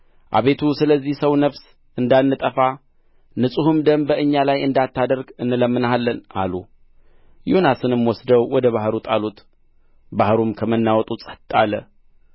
አቤቱ ስለዚህ ሰው ነፍስ እንዳንጠፋ ንጹሕም ደም በእኛ ላይ እንዳታደርግ እንለምንሃለን አሉ ዮናስንም ወስደው ወደ ባሕሩ ጣሉት ባሕሩም ከመናወጡ ጸጥ አለ